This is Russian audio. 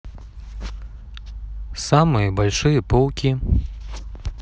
самые большие пауки